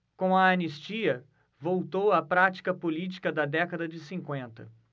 com a anistia voltou a prática política da década de cinquenta